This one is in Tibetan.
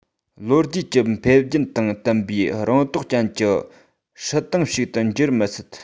ལོ རྒྱུས ཀྱི འཕེལ རྒྱུན དང བསྟུན པའི རང རྟོགས ཅན གྱི སྲིད ཏང ཞིག ཏུ འགྱུར མི སྲིད